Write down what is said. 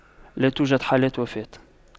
لا توجد حالات وفاة